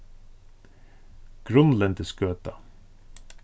grunnlendisgøta